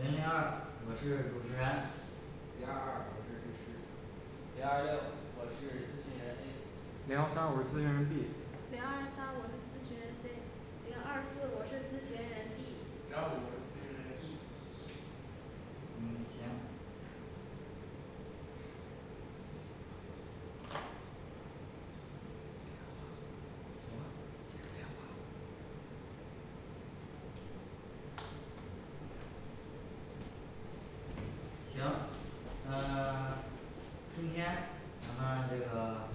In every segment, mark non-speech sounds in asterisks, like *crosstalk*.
零零二我是主持人零二二我是律师零二六我是咨询人A 零幺三我是咨询人B 零二三我是咨询人C 零二四我是咨询人D 零二五我是咨询人E 嗯行行行嗯 *silence* 今天咱们这个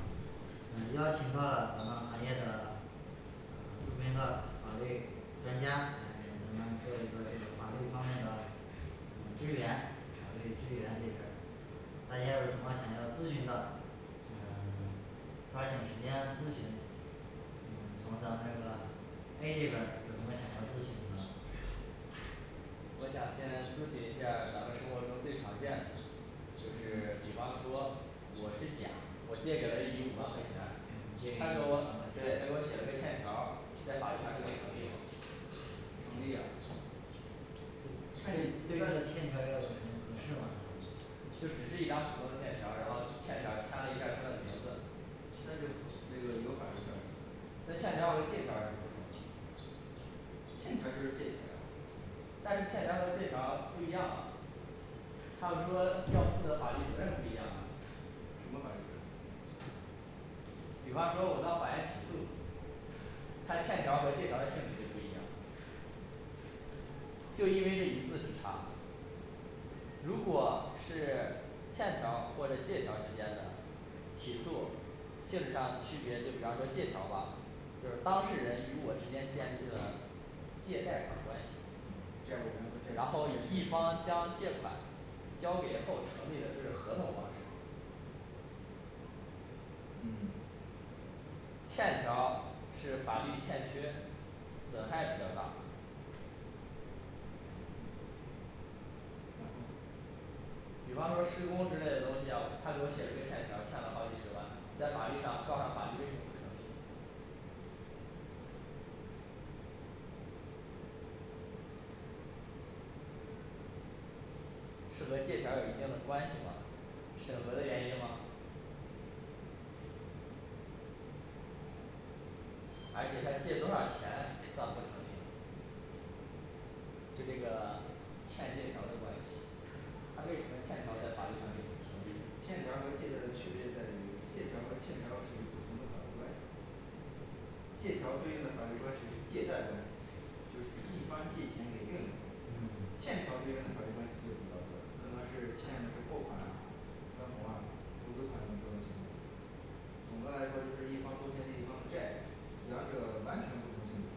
嗯邀请到了咱们行业的嗯著名的法律专家来给咱们做一个这个法律方面的嗯支援法律支援这一片儿大家有什么想要咨询的嗯 *silence* 抓紧时间咨询嗯从咱们这个A这边儿有什么想要咨询的我想先咨询一下儿咱们生活中最常见就是比方说我是甲我借给了乙五万块钱嗯借给他乙给五万我对他给块我钱写了个欠条儿在法律上这个成立吗成立呀就看你那那个欠条儿要有什么格式吗什么就只是一张普通的欠条儿然后欠条儿签了一下儿他的名字那就那个有法律效力那欠条儿和借条儿有什么不同呢欠条儿就是借条儿呀但是欠条儿和借条儿不一样啊他们说要负的法律责任不一样啊什么法律责任不一样比方说我到法院起诉它欠条儿和借条儿的性质就不一样就因为这一字之差如果是欠条儿或者借条儿之间的起诉性质上区别就比方说借条儿吧就是当事人与我之间建立了借贷款关嗯系债务人然和后以债一方权人将借款交给后成立的这是合同方式嗯欠条儿是法律欠缺损害比较大然后呢比方说施工之类的东西呀他给我写了个欠条儿欠了好几十万在法律上告上法律为什么不成立呢是和借条儿有一定的关系吗审核的原因吗而且他借多少钱算不成立呢就这个欠借条儿的关系它为什么欠条儿在法律上就不成立欠条儿和借条儿的区别在于借条儿和欠条儿属于不同的法律关系借条儿对应的法律关系是借贷关系就是一方借钱给另一方嗯欠条儿对应的法律关系就比较多了可能是欠的是货款啊分红啊投资款等各种情况总的来说就是一方拖欠另一方的债两者完全不同性质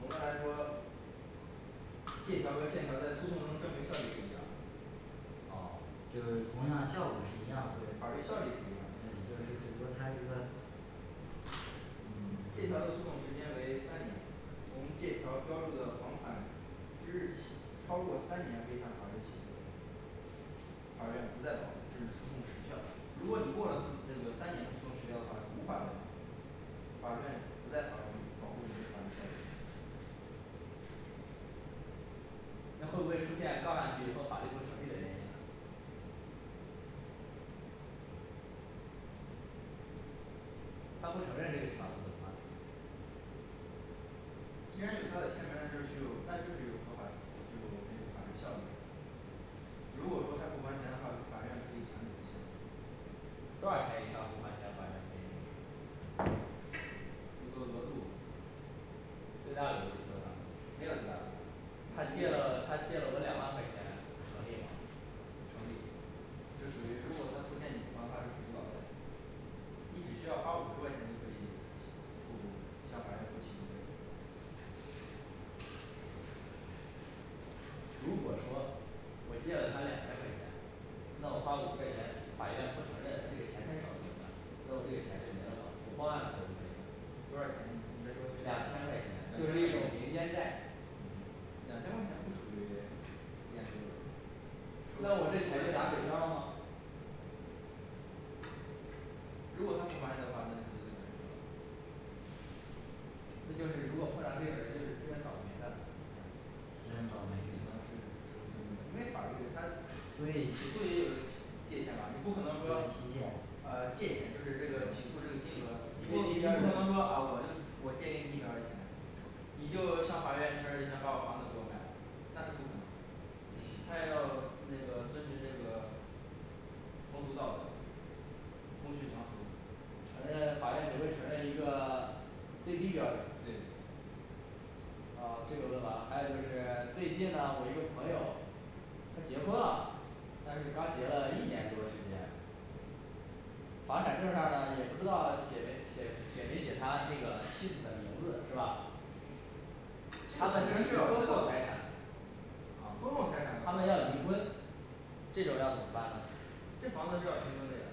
总的来说借条儿跟欠条儿在诉讼中证明效力是一样的哦就是同样效果是一样的对法对律效力是一样就是只不过它一个嗯 *silence* 借条儿的诉讼时间为三年从借条儿标注的还款之日起超过三年未向法院起诉的法院不再保护这是诉讼时效如果你过了诉这个三年的诉讼时效的话就无法证明法院不再法律保护你这个法律效力那会不会出现告上去以后法律不成立的原因呢他不承认这个条子怎么办既然有他的签名儿了就是有那就是有合法就那个法律效力的如果说他不还钱的话法院可以强制执行多少钱以上不还钱法院可以那个什么一个额度最大额度是多没有少最大额呢度他借了他借了我两万块钱成立吗成立这属于如果他拖欠你不还款是属于老赖你只需要花五十块钱就可以付向法院付起诉费如果说我借了他两千块钱那我花五十块钱法院不承认它这个钱太少怎么办那我这个钱就没了吗我报案可不可以呢多少钱你你两再说千块一钱遍就你是一这个个民两间千债块钱两千块钱不属于立案标准数那我额这太钱就打水数漂儿了吗额如果他不还你的话那就可能就打水漂儿了那就是如果碰上这种人就是自认倒霉呗自认倒霉只能是说真了的是当事人说因为法律真它的，所所以以期起限诉也有一嗯个期 *unintelligible* 界限吧你不可能说呃界限就是这最个起诉这个金额你不低你不可能说啊我就我借给你一标百准块钱你就向法院承认你想把我房子给我卖了那是不可能的他嗯也要那个遵循这个风俗道德公序良俗承认法院只会承认一个最低标准对啊这个问完了还有就是 *silence* 最近呢我一个朋友他结婚了但是刚结了一年多时间房产证儿上呢也不知道写没写没写没写他那个妻子的名字是吧他们这属于婚后财产啊婚后财产的话他们要离婚这种要怎么办呢这房子是要平分的呀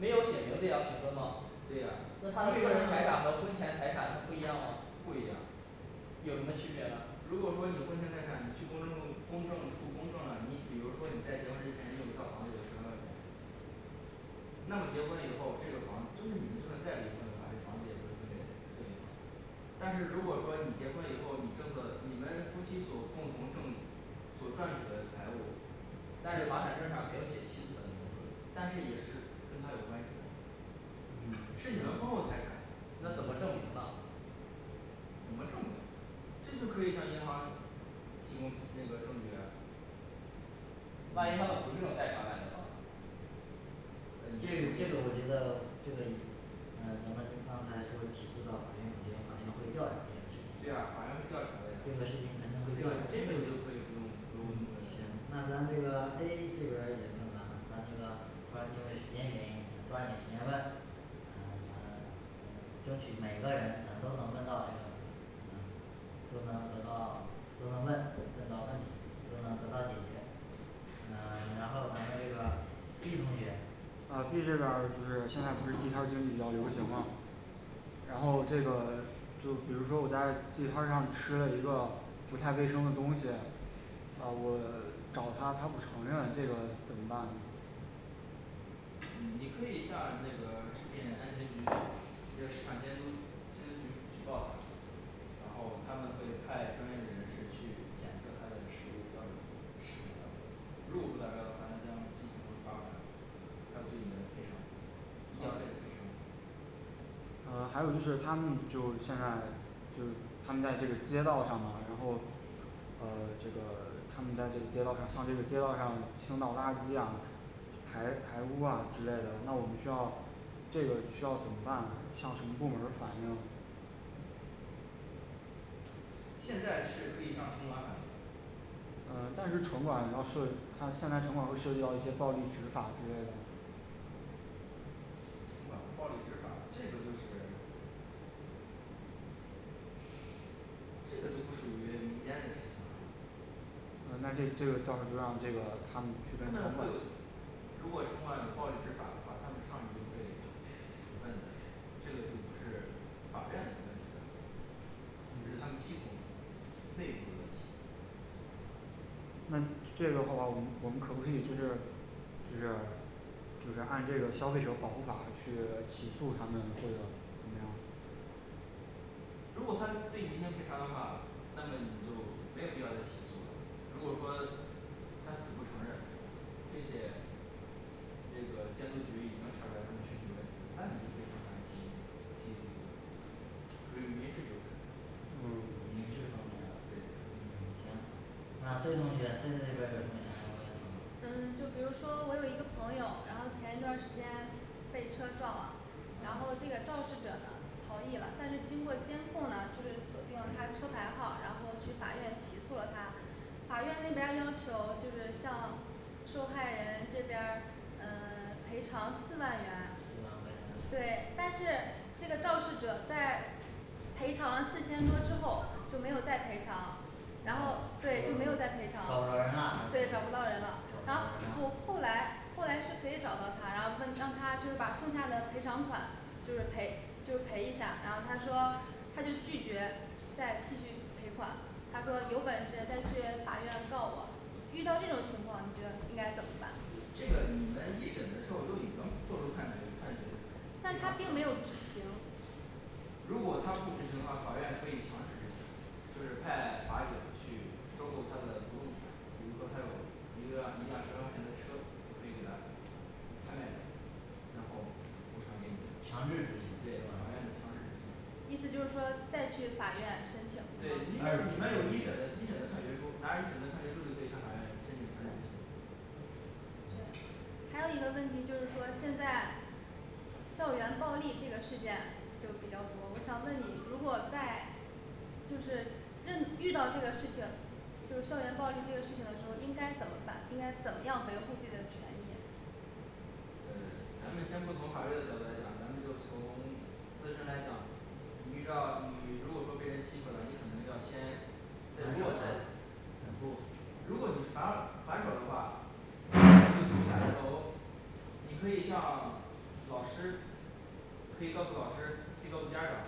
没有写名字也要平分吗对呀那他的个人财产和婚前财产它不一样吗不一样有什么区别呢如果说你婚前财产你去公证处公证处公证了你比如说你在结婚之前你有一套房子有十万块钱那么结婚以后这个房子就是你们就算再离婚的话这房子也不会分给另一方但是如果说你结婚以后你挣的你们夫妻所共同挣取所赚取的财物但是房产证儿上没有写妻子的名但是也字是跟她有关系的。嗯是你的婚后财产那怎么证明呢怎么证明这就可以向银行提供那个证据呀万一他们不是用贷款买的房嗯呃你这什么个这意个我觉思得这个以嗯咱们刚才说起诉到法院我觉的法院方面会调查这件事情是呀法院会调查的呀这这个个这事情肯定会调查清楚个你就可以不用不用嗯行那么那咱这个A这边儿已经问完了咱那个啊因为时间原因咱抓紧时间问嗯咱嗯争取每个人咱都能问到这个嗯都能得到都能问问到问题都能得到解决嗯 *silence* 然后咱们这个B同学啊B这边儿就是现在不是地摊儿经济比较流行吗然后这个就是比如说地摊儿上吃了一个不太卫生的东西啊我找他他不承认这个怎么办呢嗯你可以向那个食品安全局这市场监督监督局举报他然后他们会派专业的人士去检测它的食物标准是否达标如果不达标的话，那将进行罚款，还有对你的赔偿，医药费的赔偿嗯还有就是他们就现在就他们在这个街道上然后嗯 *silence* 这个他们在这个街道上向这街道上倾倒垃圾呀排排污啊之类的那我们需要这个需要怎么办呢向什么部门儿反应现在是可以向城管反应嗯但是城管要涉他们现在城管会涉及到一些暴力执法之类的城管暴力执法这个就是这个就不属于民间的事情了嗯那这个这个到时就让这个他们去跟他城们会管有如果城管是暴力执法的话，他们上级会处分的这个就不是法院的问题了这是他们系统内部的问题。那这个的话我们我们可不可以就是就是就是按这个消费者保护法去起诉他们或者怎么样如果他对你进行赔偿的话，那么你就没有必要再起诉了如果说他死不承认并且那个监督局已经查出来他们食品有问题了那你就可以向法院起诉可以起诉属于民事纠纷嗯嗯民事方面的对嗯行那C同学C同学这边儿有什么想要问的吗嗯就比如说我有一个朋友，然后前一段儿时间被车撞了然后这嗯个肇事者逃逸了，但是经过监控呢就是锁定了他车牌号，然后去法院起诉了他法院那边儿要求就是向受害人这边儿嗯 *silence* 赔偿四万元四万块对钱但是这个肇事者在赔偿四千多之后就没有再赔偿然后就找不着对就没有再赔偿人啦还是对怎么找找不不着到人人了然后啦后来后来是可以找到他然后问让他就把剩下的赔偿款就是赔就是赔一下然后他说他就拒绝再继续赔款，他说有本事再去法院告我，遇到这种情况你觉得应该怎么办这个你们一审的时候就已经做出判决判决但是赔他偿四并没有万块执行钱如果他不执行的话，法院可以强制执行，就是派法警去收购他的不动产比如说他有一个一辆十万块钱的车可以给它拍卖掉然后补偿给你强制执们，行对是吧法院的强制执行意思就是说再去法院申请对对因吗为二你次申们有一审请的一审的判决书拿着一审的判决书就可以向法院申请强制执行嗯还有一个问题就是说现在校园暴力这个事件就比较多我想问你如果在就是认遇到这个事情就是校园暴力这个事情的时候应该怎么办应该怎么样维护自己的权益嗯咱们先不从法律的角度来讲咱们就从自身来讲你遇到你如果说被人欺负了你可能要先对还手如果了在不如果你还还手的话你可能就属于打架斗殴你可以向 *silence* 老师可以告诉老师，可以告诉家长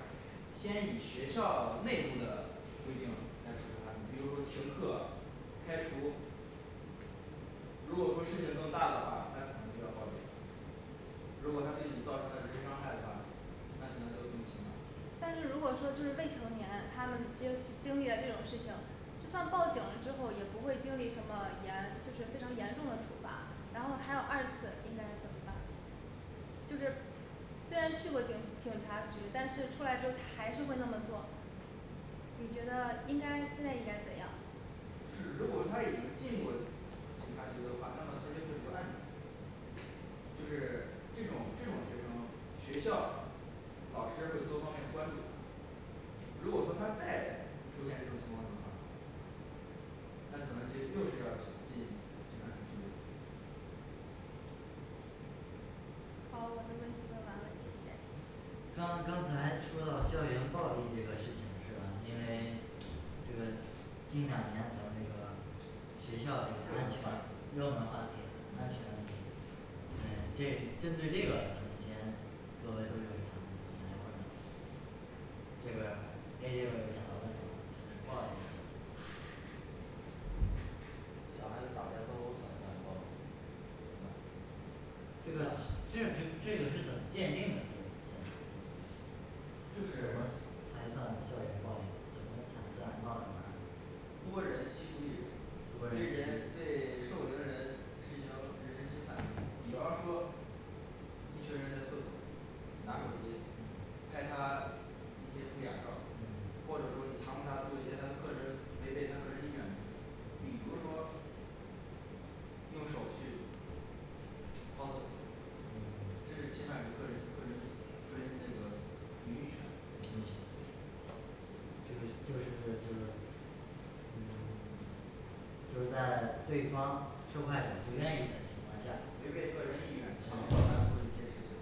先以学校内部的规定来处罚他们比如说停课开除如果说事情更大的话，那可能就要报警如果他对你造成了人身伤害的话，那可能就动用刑法但是如果说就是未成年，他们经经历了这种事情，就算报警了之后也不会经历什么严就是非常严重的处罚，然后还有二次的应该怎么办就是虽然是去过警警察局，但是出来之后还是会那么做你觉得应该现在应该怎样就是如果他已经进过警察局的话，那么他就会留案底就是这种这种学生呢学校老师会多方面关注他。如果说他再出现这种情况的话，那可能进 *unintelligible* 又是要进警察局拘留哦我的问题问完了谢谢刚刚才说到校园暴力这个事情是吧因为这个近两年咱们这个学校这个安全&热门话题嗯&热门话题安全问题嗯这针对这个咱们先各位都有什么想想要问的问题这边儿A这边儿有想要问的吗针对暴力这边儿小孩子打架斗殴算校园暴力不吗算这个这这这个是怎么鉴定的这个现在这方面就怎是么才算校园暴力怎么才算闹着玩儿多人欺负多一人人对欺人负对受凌人实行人身侵犯比方说一群人在厕所拿手机嗯拍他一些不雅照儿嗯或者说你强迫他做一些他个人违背他个人意愿的事情比嗯如说用手去掏厕所这是侵害个人个人个人那个名誉名誉权权就是就是就嗯 *silence* 就是在对方受害者不愿意的情况下违背个人意愿强强迫嗯迫他做一些事情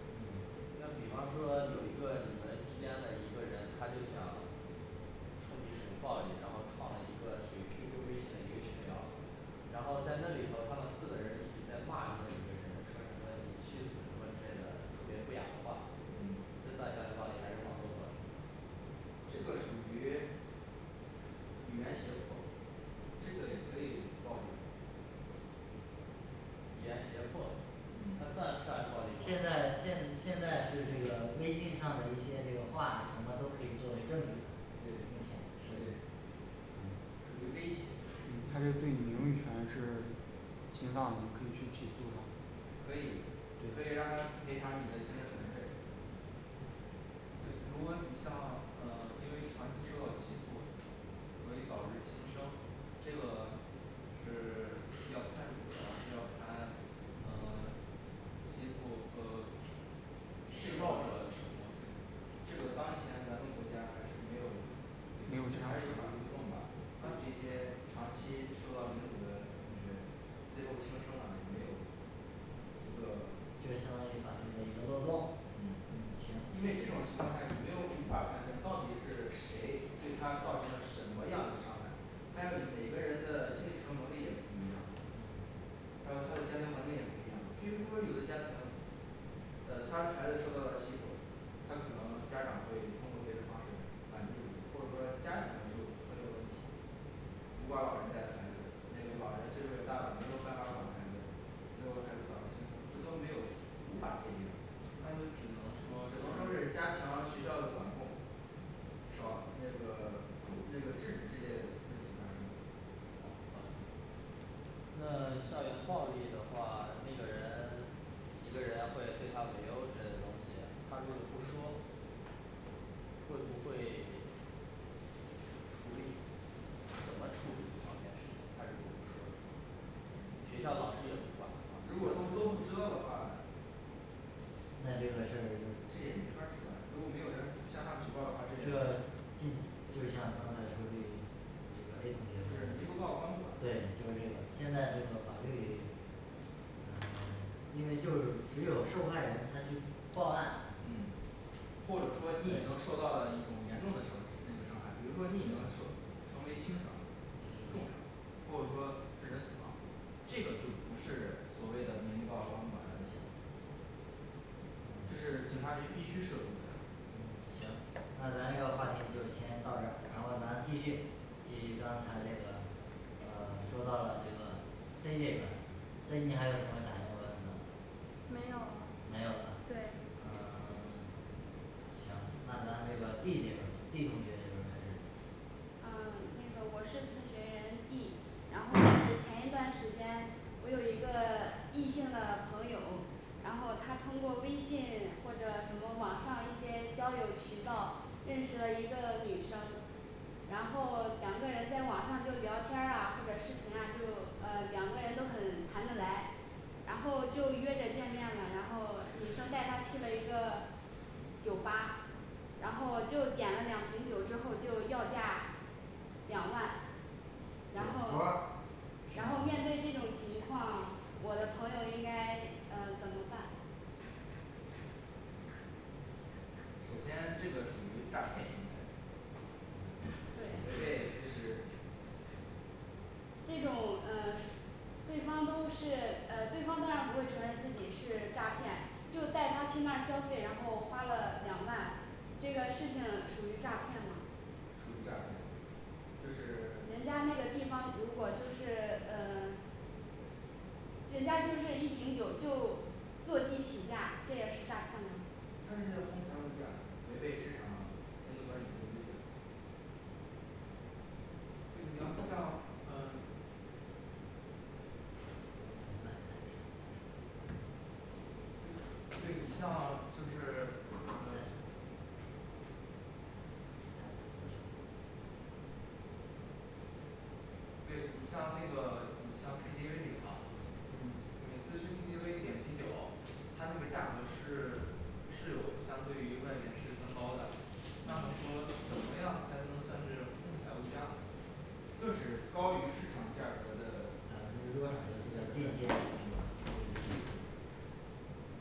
那比方说有一个你们之间的一个人他就想冲你使用暴力，然后创了一个属于Q Q微信的一个群聊，然后在那里头他们四个人一直在骂那一个人说什么你去死什么之类的特别不雅的话嗯，这算校园暴力还是网络暴力啊这个属于语言胁迫这个也可以报警语言胁迫嗯它算校园暴力现吗在现现在是这个微信上的一些这个话什么都可以作为证据对的目前对是嗯属于微信嗯他这个对你名誉权是侵犯了你可以去起诉他可以可以让他赔偿你的精神损失费对如果你想往嗯 *silence* 因为长期受到欺负所以导致轻生这个是 *silence* 要判处的话是要判嗯 *silence* 欺负嗯 *silence* 这施个暴者什么 *silence* 罪名这个当前咱们国家还是没有也就是说检察院有法律漏洞吧对他这些长期受到凌辱的同学，最后轻生了也没有一个就相当于法律的一个漏洞嗯嗯行因为这种情况下，你没有无法判定到底是谁对他造成了什么样的伤害还有每个人的心理承受能力也不一样嗯还有他的家庭环境也不一样比如说有的家庭呃他的孩子受到了欺负他可能家长会通过别的方式来反击回去或者说家庭就很有问题孤寡老人带的孩子，那个老人岁数也大了，没有办法管孩子，最后孩子导致轻生这都没有无法界定，但是只能只说能说是加强学校管控少那个酷 *unintelligible* 那个制止这类问题发生那校园暴力的话，那个人几个人会对他围殴之类的东西，他如果不说会不会 *silence* 处理呢怎么处理这方面事情，他如果不说的话学校老师也不管如果的说话都不学知道校的特话别乱那这个事儿这这也没法儿知道呀如果没有人向上举报的话这也就个是这就像刚才这个A同学民不告官不管，对就是这个现在这个法律我们因为就是只有受害人他去报案嗯或者说你已经对受到了一种严重的损失 *unintelligible* 那个伤害，比如说你已经受成为轻伤，重伤嗯，或者说致人死亡这个就不是所谓的民不告官不管的问题了这嗯是警察局必须涉入的行，那咱这个话题就先到这儿，然后咱继续继续刚才这个呃 *silence* 说到了这个C这边儿C你还有什么想要问的没有没有了了对呃 *silence* 行那咱这个D这边儿呢D同学这边儿开始呃那个我是咨询人D然后就是前一段时间我有一个异性的朋友然后他通过微信或者什么网上一些交友渠道认识了一个女生然后两个人在网上就聊天儿啊或者视频啊就，呃两个人都很谈得来，然后就约人见面了，然后女生带他去了一个酒吧然后又点了两瓶酒之后就要价两万酒然拖儿后是然后面对吗这种情况，我的朋友应该呃怎么办？首先这个属于诈骗行为违对背就是这种嗯 *silence* 对方都是嗯对方当然不会承认自己是诈骗就带他去那儿消费然后花了两万这个事情属于诈骗吗属于诈骗人这家那个地方如果就是是嗯 *silence* *silence* 人家就是这一瓶酒就坐地起价，这也是诈骗吗？他是在哄抬物价违背市场监督管理局的规定对你要像呃怎么办到现在对 *unintelligible* 对你像就是 *silence* 嗯对你像那个你像K T V里啊&嗯&每次去K T V点啤酒它那个价格是是有相对于外边是分包的那么嗯说怎么样才能算是哄抬物价呢就是高于市场价格的百分嗯之对多少有这有个界界限限是吧